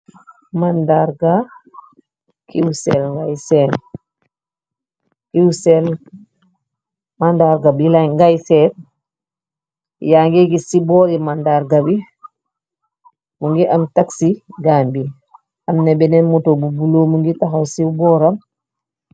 mnrkiwsel màndarga bi ngay seet yaa nge gis ci boori mandarga bi mu ngi am taxi gaam bi am na beneen moto bu buloomu ngi taxaw ci booram